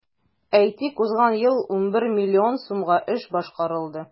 Әйтик, узган ел 11 миллион сумга эш башкарылды.